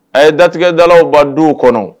A ye datigɛdalaw ba du kɔnɔ